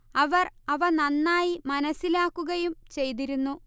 അവർ അവ നന്നായി മനസ്സിലാക്കുകയും ചെയ്തിരുന്നു